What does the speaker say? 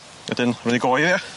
Wedyn roi ni go ia?